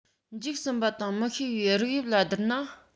འཇིག ཟིན པ དང མི ཤེས པའི རིགས དབྱིབས ལ བསྡུར ན